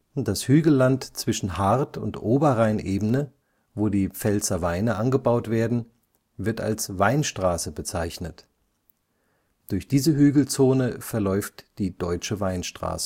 Das Hügelland zwischen Haardt und Oberrheinebene, wo die Pfälzer Weine angebaut werden, wird als Weinstraße bezeichnet. Durch diese Hügelzone verläuft die Deutsche Weinstraße